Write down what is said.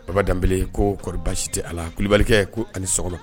Baba danbeb koɔri tɛ a la kuli kulubalikɛ ko ani so kɔnɔ